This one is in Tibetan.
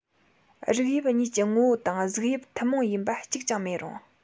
རིགས དབྱིབས གཉིས ཀྱི ངོ བོ དང གཟུགས དབྱིབས ཐུན མོང ཡིན པ གཅིག ཀྱང མེད རུང